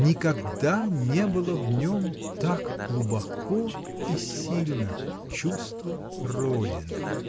-- никогда не было в нем так глубоко и сильно чувство родины.